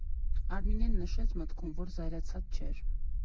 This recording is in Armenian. Արմինեն նշեց մտքում, որ զայրացած չէր։